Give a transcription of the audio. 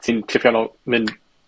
ti'n tripio nôl, mynd